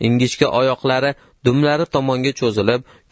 ingichka oyokdari dumlari tomonga cho'zilib